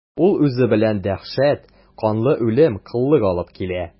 Ул үзе белән дәһшәт, канлы үлем, коллык алып килә.